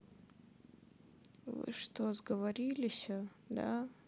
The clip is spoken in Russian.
вы что сговорилися да